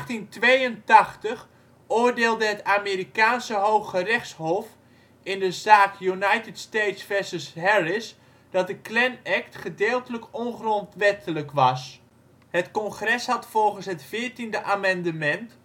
In 1882 oordeelde het Amerikaanse Hooggerechtshof in de zaak United States versus Harris dat de Klan Act gedeeltelijk ongrondwettelijk was. Het Congres had volgens het 14de amendement